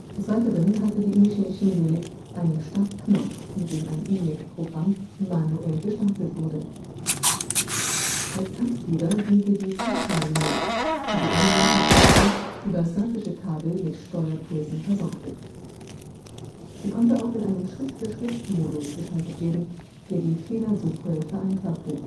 Des Weiteren hatte die Initiating-Unit einen Startknopf, mit dem ein ENIAC-Programm manuell gestartet wurde. Als Taktgeber diente die Cycling Unit, die die anderen Komponenten über statische Kabel mit Steuerpulsen versorgte. Sie konnte auch in einen Schritt-für-Schritt-Modus geschaltet werden, der die Fehlersuche vereinfachte